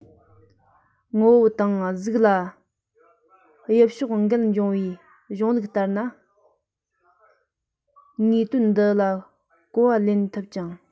ངོ བོ དང གཟུགས ལ དབྱིབས ཕྱོགས འགལ འབྱུང བའི གཞུང ལུགས ལྟར ན དངོས དོན འདི ལ གོ བ ལེན ཐུབ ཅིང